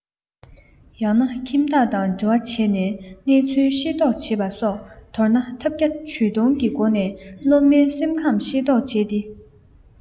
ཡང ན ཁྱིམ བདག དང འབྲེལ བ བྱས ནས གནས ཚུལ ཤེས རྟོགས བྱེད པ སོགས མདོར ན ཐབས བརྒྱ ཇུས སྟོང གི སྒོ ནས སློབ མའི སེམས ཁམས ཤེས རྟོགས བྱས ཏེ